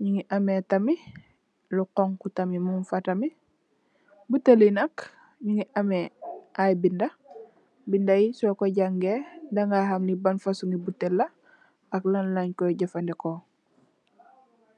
ñu ngi amee tamit, lu xoñxu muñ fa, butel yi nak, mu gi am ay bindë, bindë yi nak, soo koo jangee, dangaa xam ban fasoñgi butel la ak lan lañ koo jafëndeko.